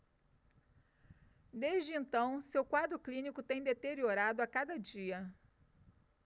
desde então seu quadro clínico tem deteriorado a cada dia